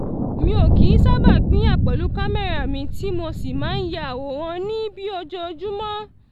Mi ò kìí sábà pínyà pẹ̀lú kámẹ́rà mi tí mo sì máa ń ya àwòrán ní bíi ojoojúmọ́.